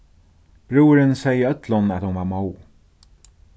brúðurin segði øllum at hon var móð